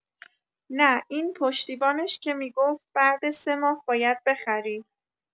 نه این پشتیبانش که می‌گفت بعد ۳ ماه باید بخری